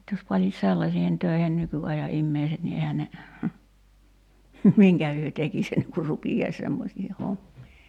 nyt jos panisi sellaisiin töihin nykyajan ihmiset niin eihän ne minkä he tekisi ennen kuin rupeaisi semmoisiin hommiin